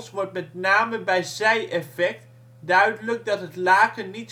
wordt met name bij zijeffect duidelijk dat het laken niet